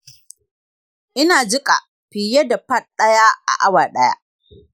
ina jiƙa fiye da pad ɗaya a awa ɗaya